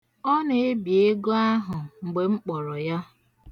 Ọ na-ebi ego ahụ mgbe m kpọrọ ya.